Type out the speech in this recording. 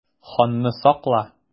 Ханны сакла!